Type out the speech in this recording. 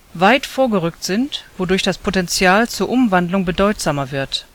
Weit vorgerückt sind, wodurch das Potenzial zur Umwandlung bedeutsamer wird